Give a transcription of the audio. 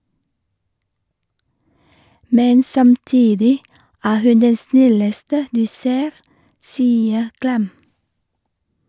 Men samtidig er hun den snilleste du ser, sier Klem.